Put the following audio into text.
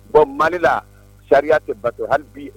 Bɔn malila sariya tɛ bato hali bi